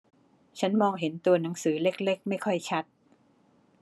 ฉันมองเห็นตัวหนังสือเล็กเล็กไม่ค่อยชัด